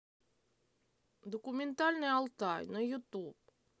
документальный алтай на ютуб